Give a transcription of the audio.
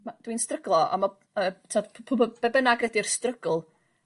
ma'... Dwi'n stryglo on' ma' yy t'o' p- pw' b- be bynnag ydi'r strygl